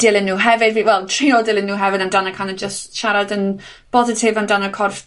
dilyn nw hefyd, fi, wel trio dilyn nw hefyd amdano kind o' jyst siarad yn bositif amdano corff